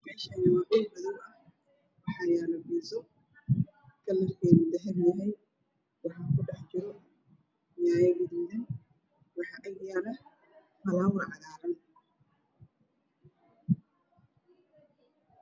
Meeshaani waa meel madow ah waxaa yaalo biidso kalarkeedu dahabi yahay waxaa ku dhex jiro yaanyo gaduudan waxaa ag yaalo alaabo cagaaran.